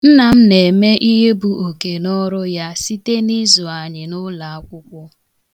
Nna m na-eme ihe bụ okenọọrụ ya site na ịzụ anyị n' ụlọakwụkwọ.